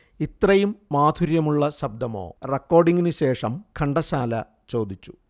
'ഇത്രയും മാധുര്യമുള്ള ശബ്ദമോ' റെക്കോർഡിംഗിന് ശേഷം ഘണ്ടശാല ചോദിച്ചു